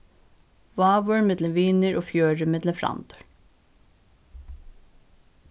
vágur millum vinir og fjørður millum frændur